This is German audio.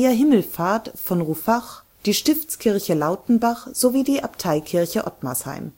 Mariä-Himmelfahrt von Rouffach, die Stiftskirche Lautenbach und die Abteikirche Ottmarsheim.